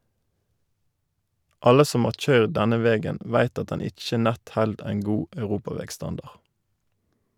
Alle som har køyrd denne vegen veit at den ikkje nett held ein god europavegstandard.